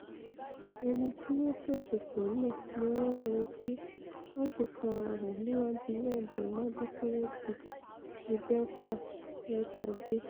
Ẹnití wọn fẹ̀sùn kàn náà níwọn ńretí láti farahàn níwájú Ilé Ẹjọ́ Majisireti ti Belfast lọ́jọ́ Ajé.